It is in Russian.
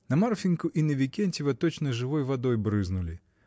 На Марфиньку и на Викентьева точно живой водой брызнули.